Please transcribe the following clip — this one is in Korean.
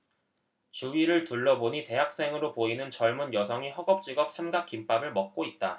주위를 둘러보니 대학생으로 보이는 젊은 여성이 허겁지겁 삼각김밥을 먹고 있다